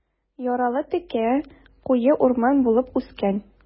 Ярлары текә, куе урман булып үскән.